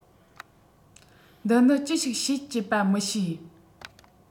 འདི ནི ཅི ཞིག བྱེད སྤྱད པ མི ཤེས